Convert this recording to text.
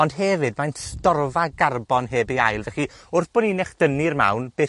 ond hefyd mae'n storfa garbon heb ei ail. Felly, wrth bo' ni'n echdynnu'r mawn, beth